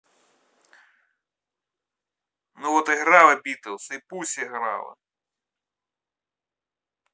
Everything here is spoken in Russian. ну вот играл beatles и пусть играла